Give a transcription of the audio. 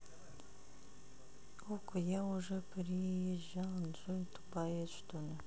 okko я уже приезжал джой тупая что ли